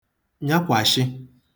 nyakwàshị